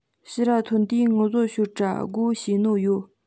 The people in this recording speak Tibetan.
ཕྱིར ར ཐོན དུས ངུ བཟོ ཤོད དྲ སྒོ ཕྱེ ནོ ཡོད